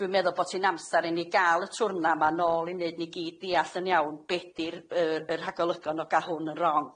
Dwi'n meddwl bo' ti'n amsar i ni ga'l y twrna nôl i neud ni gyd deall yn iawn be' di'r yy yr rhagolygon o ga'l hwn yn rong.